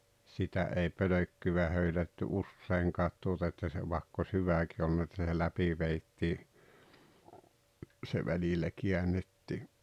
sitä ei pölkkyä höylätty useinkaan tuota että se vaikka olisi hyväkin ollut että sen läpi vedettiin se välillä käännettiin